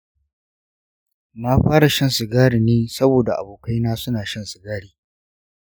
na fara shan sigari ne saboda abokaina suna shan sigari.